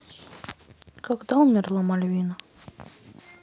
когда умерла мальвина